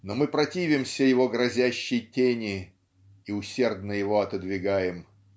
но мы противимся его грозящей тени и усердно его отодвигаем.